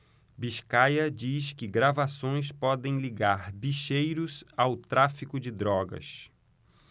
biscaia diz que gravações podem ligar bicheiros ao tráfico de drogas